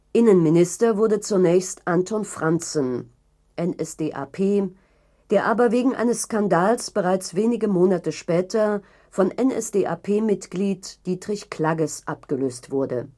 Innenminister wurde zunächst Anton Franzen (NSDAP), der aber wegen eines Skandals bereits wenige Monate später von NSDAP-Parteimitglied Dietrich Klagges abgelöst würde